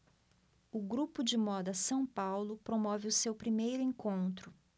o grupo de moda são paulo promove o seu primeiro encontro